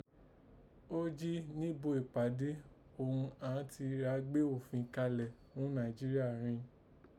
Ó jí nibo ìpàdé òghun àan ti ra gbé òfin kalẹ̀ ghun Nàìjíríà rin